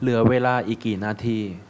เหลือเวลาอีกกี่นาที